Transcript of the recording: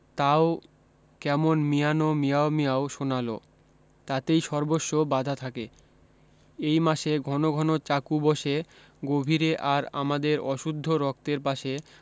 তাও কেমন মিয়ানো মিয়াও মিয়াও শোনালো তাতেই সর্বস্ব বাঁধা থাকে এই মাসে ঘন ঘন চাকু বসে গভীরে আর আমাদের অশুদ্ধ রক্তের পাশে